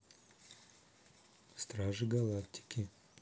стражи галактики